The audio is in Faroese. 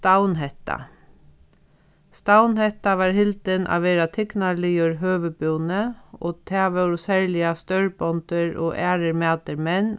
stavnhetta stavnhetta var hildin at vera tignarligur høvuðbúni og tað vóru serliga stórbøndur og aðrir mætir menn